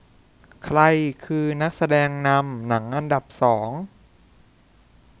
ใครคือนักแสดงนำหนังอันดับสอง